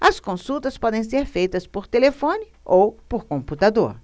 as consultas podem ser feitas por telefone ou por computador